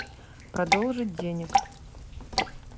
продолжить денег